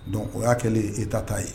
Donc o y'a kɛlen ye État ta ye